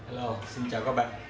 hello xin chào quý vị